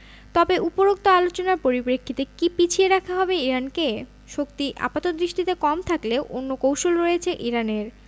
তবে উপরোক্ত আলোচনার পরিপ্রেক্ষিতে কি পিছিয়ে রাখা হবে ইরানকে শক্তি আপাতদৃষ্টিতে কম থাকলেও অন্য কৌশল রয়েছে ইরানের